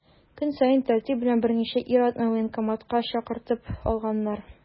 Көн саен тәртип белән берничә ир-атны военкоматка чакыртып алганнар.